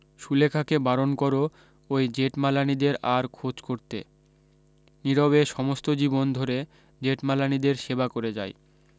সুলেখাকে বারণ করো ওই জেঠমালানিদের আর খোঁজ করতে নীরবে সমস্ত জীবন ধরে জেঠমালানিদের সেবা করে যায়